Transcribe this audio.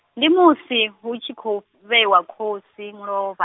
ndi musi, hu tshi khou, vhewa khosi mulovha.